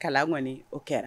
Kalan kɔniɔni o kɛra